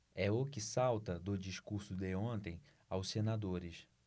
é o que salta do discurso de ontem aos senadores